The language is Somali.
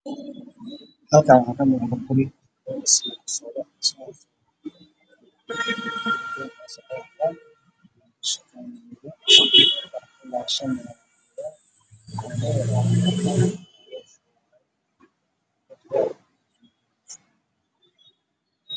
Waa guri sar ah oo ay dhismo ku socoto waxaan dhiseyso niman badan